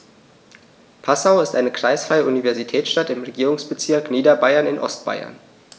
Passau ist eine kreisfreie Universitätsstadt im Regierungsbezirk Niederbayern in Ostbayern.